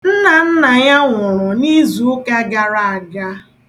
Nna nna ya nwụrụ n'izuụka gara aga.